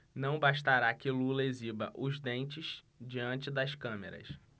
não bastará que lula exiba os dentes diante das câmeras